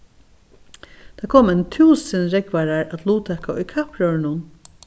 tað koma eini túsund rógvarar at luttaka í kappróðrinum